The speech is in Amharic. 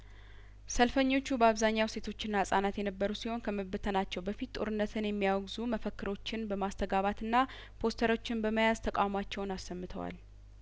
ሰልፈኞቹ በአብዛኛው ሴቶችና ህጻናት የነበሩ ሲሆን ከመበተናቸው በፊት ጦርነትን የሚያወግዙ መፈክሮችን በማስተጋባትና ፖስተሮችን በመያዝ ተቃውሟቸውን አሰምተዋል